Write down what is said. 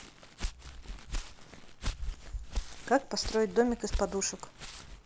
как построить домик из подушек